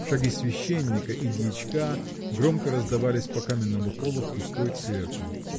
Шаги священника и дьячка громко раздавались по каменному полу в пустой церкви